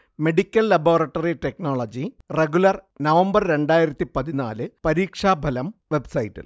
medical laboratory technology regular November രണ്ടായിരത്തി പതിനാല് പരീക്ഷാഫലം വെബ്സൈറ്റിൽ